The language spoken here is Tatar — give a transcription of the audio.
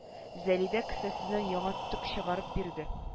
Залидә кесәсеннән яңа төк чыгарып бирде